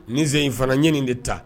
Nin n sen in fana ɲɛɲini de ta